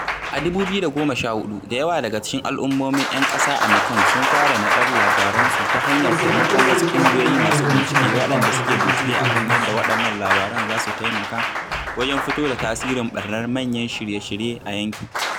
A 2014, da yawa daga cikin al'ummomin 'yan ƙasa a Mekong sun fara naɗar labaransu ta hanyar taimakon wasu ƙungiyoyi masu bincike waɗanda suke bincike a kan yadda waɗannan labaran za su taimaka wajen fito da tasirin ɓarnar manyan shirye-shirye a yankin.